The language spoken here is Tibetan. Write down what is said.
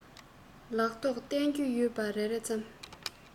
ལག ཐོག སྟོན རྒྱུ ཡོད པ རེ རེ ཙམ